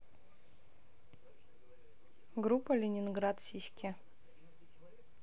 группа ленинград сиськи